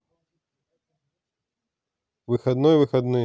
выходной выходные